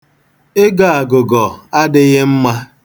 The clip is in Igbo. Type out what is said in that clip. Ịgọ agụgọ adịghị mma.